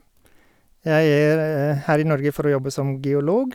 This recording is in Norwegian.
Jeg er her i Norge for å jobbe som geolog.